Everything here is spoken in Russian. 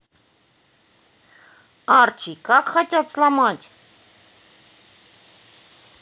арчи как хотят сломать